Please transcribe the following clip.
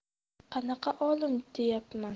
qanaqa olim deyapman